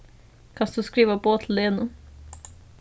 kanst tú skriva boð til lenu